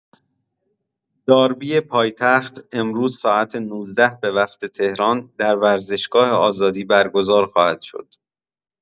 داربی پایتخت امروز ساعت ۱۹ به‌وقت‌تهران در ورزشگاه آزادی برگزار خواهد شد.